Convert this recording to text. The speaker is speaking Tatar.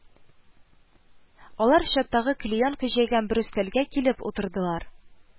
Алар чаттагы клеенка җәйгән бер өстәлгә килеп утырдылар